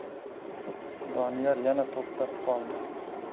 doniyor yana to'xtab qoldi